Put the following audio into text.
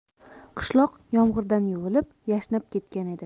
qishloq yomg'irdan yuvilib yashnab ketgan edi